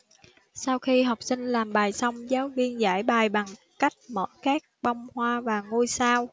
sau khi học sinh làm bài xong giáo viên giải bài bằng cách mở các bông hoa và ngôi sao